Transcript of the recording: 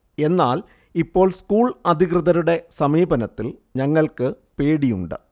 എന്നാൽ, ഇപ്പോൾ സ്കൂൾ അധികൃതരുടെ സമീപനത്തിൽ ഞങ്ങൾക്ക് പേടിയുണ്ട്